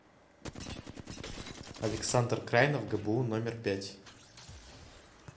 александр крайнов гбу номер пять